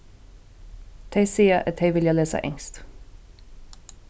tey siga at tey vilja lesa enskt